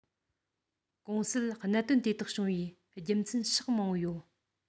གོང གསལ གནད དོན དེ དག བྱུང བའི རྒྱུ མཚན ཕྱོགས མང པོ ཡོད